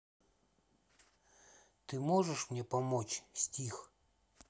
ты можешь мне помочь стих